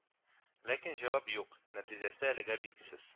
Ләкин җавап юк, нәтиҗәсе әлегә билгесез